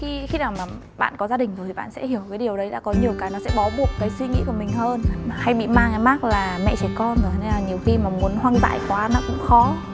khi khi nào mà bạn có gia đình rồi bạn sẽ cái hiểu điều đấy đã có nhiều cái nó sẽ bó buộc cái suy nghĩ của mình hơn hay bị mang cái mác là mẹ trẻ con rồi nên là nhiều khi mà muốn hoang dại quá nó cũng khó